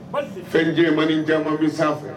Fɛn den man caman o bɛ sanfɛ